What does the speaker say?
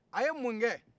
a ye mun kɛ